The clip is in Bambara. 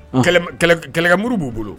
Kɛlɛ kɛ muru b'u bolo.